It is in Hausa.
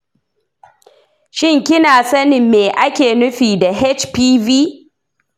shin kina sanin me ake nufi da hpv?